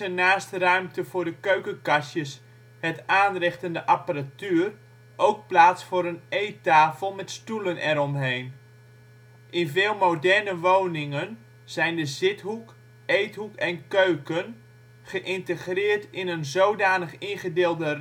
naast ruimte voor de keukenkastjes, het aanrecht en de apparatuur ook plaats voor een eettafel met stoelen er omheen. In veel moderne woningen zijn de zithoek, eethoek en keuken geïntegreerd in een zodanig ingedeelde ruimte